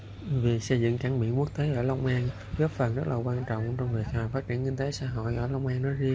về xây dựng cảng biển quốc tế ở long an góp phần rất là quan trọng trong thời phát triển kinh tế xã hội ở long an